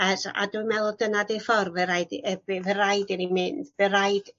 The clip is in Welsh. A so a dwi'n meddwl dyna 'di'r ffordd fe raid i yy by' by' raid i ni mynd by' raid